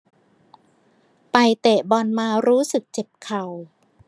ไปเตะบอลมารู้สึกเจ็บเข่า